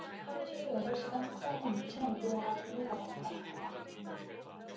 하루 최소 여덟 시간 혹사하는 육체노동으로 돈을 벌었다